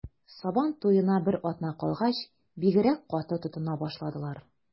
Сабан туена бер атна калгач, бигрәк каты тотына башладылар.